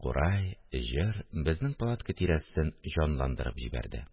Курай, җыр безнең палатка тирәсен җанландырып җибәрде